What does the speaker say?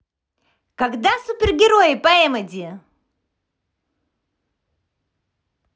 когда супергерои по эмодзи